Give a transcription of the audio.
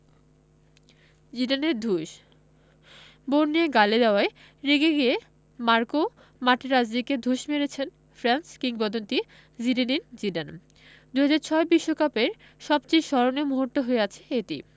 জিদানের ঢুস বোন নিয়ে গালি দেওয়ায় রেগে গিয়ে মার্কো মাতেরাজ্জিকে ঢুস মেরেছেন ফ্রেঞ্চ কিংবদন্তি জিনেদিন জিদান ২০০৬ বিশ্বকাপের সবচেয়ে স্মরণীয় মুহূর্ত হয়ে আছে এটি